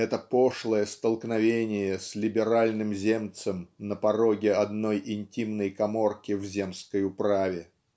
это пошлое столкновение с либеральным земцем на пороге одной интимной каморки в земской управе.